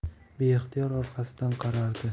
beixtiyor orqasiga qaradi